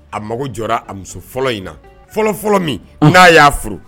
A mago jɔ a muso fɔlɔ in na fɔlɔfɔlɔ min'a y'a furu